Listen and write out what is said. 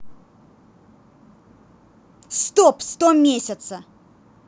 стоп сто месяца